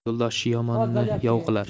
yo'ldoshi yomonni yov olar